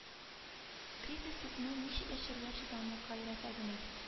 Кризис безне ничек яшәргә чыдамлыкка өйрәтә генә